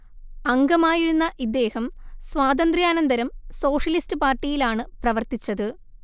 അംഗമായിരുന്ന ഇദ്ദേഹം സ്വാതന്ത്ര്യാനന്തരം സോഷ്യലിസ്റ്റ് പാർട്ടിയിലാണ് പ്രവർത്തിച്ചത്